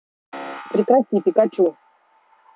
прекрати пикачу